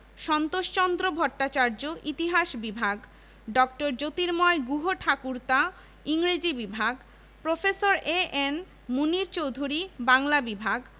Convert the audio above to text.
সন্তোষচন্দ্র ভট্টাচার্য ইতিহাস বিভাগ ড. জ্যোতির্ময় গুহঠাকুরতা ইংরেজি বিভাগ প্রফেসর এ.এন মুনীর চৌধুরী বাংলা বিভাগ